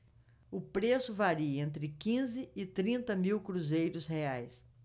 o preço varia entre quinze e trinta mil cruzeiros reais